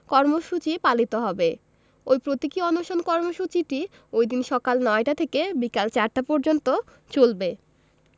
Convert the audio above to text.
কর্মসূচি পালিত হবে ওই প্রতীকী অনশন কর্মসূচিটি ওইদিন সকাল ৯টা থেকে বিকেল ৪টা পর্যন্ত চলবে